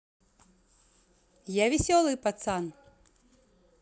я веселый пацан